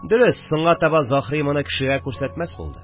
Дөрес, соңга таба Заһри моны кешегә күрсәтмәс булды